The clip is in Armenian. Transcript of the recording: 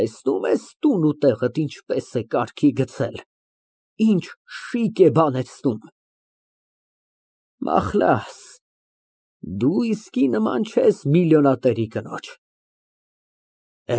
Տեսնո՞ւմ ես տուն ու տեղդ ինչպես է կարգի գցել, ինչ շիկ է բանեցնում։ Մախլաս դու իսկի նման չես միլիոնատերի կնոջ։